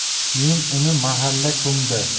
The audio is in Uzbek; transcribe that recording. keyin uni mahalla ko'mdi